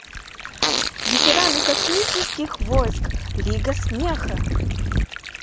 ветераны космических войск лига смеха